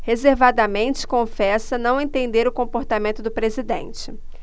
reservadamente confessa não entender o comportamento do presidente